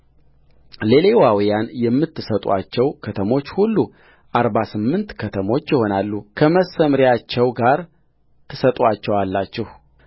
ለሌዋውያን የምትሰጡአቸው ከተሞች ሁሉ አርባ ስምንት ከተሞች ይሆናሉ ከመሰምርያቸው ጋር ትሰጡአቸዋላችሁ